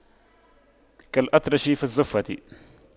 كالأطرش في الزَّفَّة